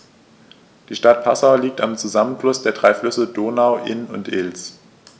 Die Stadt Passau liegt am Zusammenfluss der drei Flüsse Donau, Inn und Ilz.